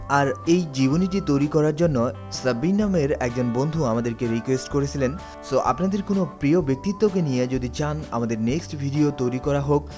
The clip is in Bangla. আর এই জীবনী টি তৈরি করার জন্য সাব্বির নামের একজন বন্ধু আমাদেরকে রিকোয়েস্ট করেছিলেন সো আপনাদের কোন প্রিয় ব্যক্তিত্ব কে নিয়ে যদি চান আমাদের নেক্সট ভিডিও তৈরি করা হোক